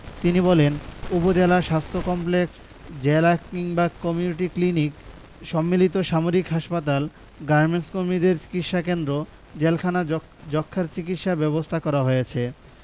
তিনি বলেন উপজেলা স্বাস্থ্য কমপ্লেক্স জেলা কিংবা কমিউনিটি ক্লিনিক সম্মিলিত সামরিক হাসপাতাল গার্মেন্টকর্মীদের চিকিৎসাকেন্দ্র জেলখানায় যক্ষ্মার চিকিৎসা ব্যবস্থা করা হয়েছে